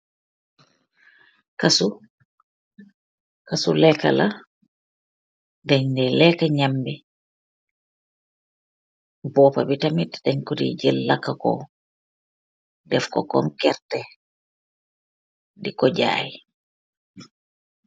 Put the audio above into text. Kaasu , kassu leka la dang dey leka nyam bi, bopabi tamin dang koy de jel laka ko def ko kom gerrte deko jaay.